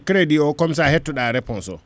crédit o comme ça hettoɗa réponse o